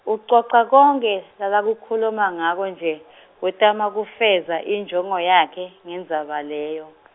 ucoca konkhe, lakakukhuluma ngako nje , wetama kufeza injongo yakhe, ngendzaba leyo.